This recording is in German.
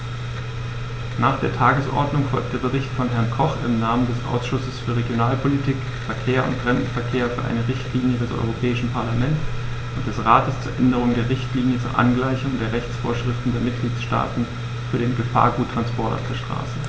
Nach der Tagesordnung folgt der Bericht von Herrn Koch im Namen des Ausschusses für Regionalpolitik, Verkehr und Fremdenverkehr für eine Richtlinie des Europäischen Parlament und des Rates zur Änderung der Richtlinie zur Angleichung der Rechtsvorschriften der Mitgliedstaaten für den Gefahrguttransport auf der Straße.